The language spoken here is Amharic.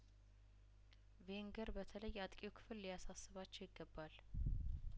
ቬንገር በተለይ አጥቂው ክፍል ሊያሳስባቸው ይገባል